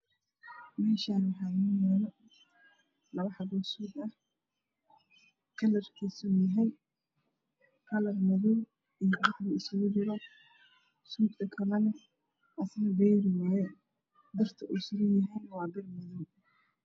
Mashan waxaa ino yalo labo xabo oo suud ah kalarkan waa qalin iyo qahwi